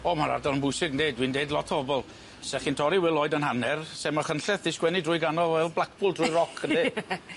O ma'r ardal yn bwysig yndi, dwi'n deud lot o bobl, sech chi'n torri Wil Lloyd yn hanner, se' Machynlleth 'di sgwennu drwy ganol fel Blackpool drwy roc yndi?